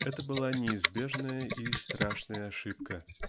Это была неизбежная и страшная ошибка.